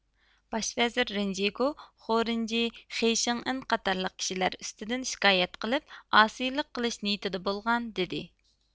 باش ۋەزىر رىن جىگۇ خورىنجى خېي شىڭېن قاتارلىق كىشىلەر ئۈستىدىن شىكايەت قىلىپ ئاسىيلىق قىلىش نىيتىدە بولغان دېدى